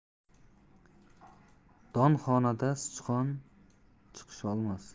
donxonada sichqon chiqisholmas